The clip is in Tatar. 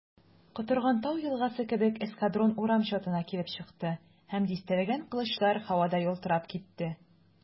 Котырган тау елгасы кебек эскадрон урам чатына килеп чыкты, һәм дистәләгән кылычлар һавада ялтырап китте.